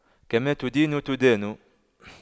كما تدين تدان